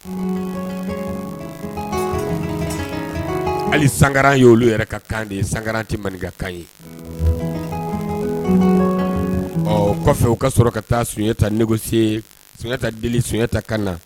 Hali sangaran ye olu yɛrɛ ka kan de sangaran tɛ maninka kan ye o kɔfɛ u ka sɔrɔ ka taa Sunjata ta négocier sunjatata deli sunjata ta kan na